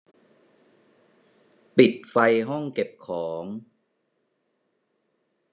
ปิดไฟห้องเก็บของ